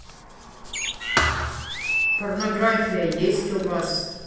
порнография есть у вас